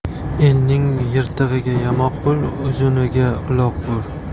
elning yirtig'iga yamoq bo'l uzuniga uloq bo'l